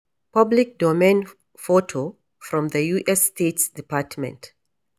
Public Domain photo from the US State Department.